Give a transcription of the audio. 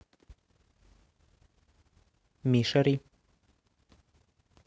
mishary